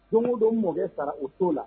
Don o don mɔ sara u to la